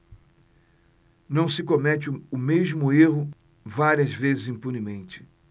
não se comete o mesmo erro várias vezes impunemente